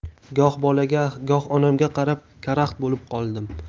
goh bolaga goh onamga qarab karaxt bo'lib qoldim